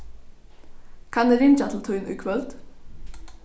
kann eg ringja til tín í kvøld